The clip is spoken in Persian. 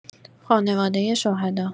خانواده شهدا